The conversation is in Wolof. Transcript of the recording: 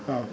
waaw